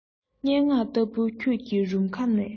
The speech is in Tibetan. སྙན ངག ལྟ བུའི ཁྱོད ཀྱི རུམ ཁ ནས